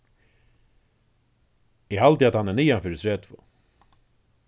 eg haldi at hann er niðan fyri tretivu